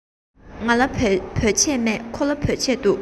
ང ལ བོད ཆས མེད ཁོ ལ བོད ཆས འདུག